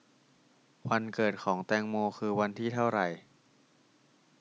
วันเกิดของแตงโมคือวันที่เท่าไร